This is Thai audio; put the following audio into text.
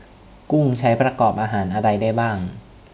กุ้งใช้ประกอบอาหารอะไรได้บ้าง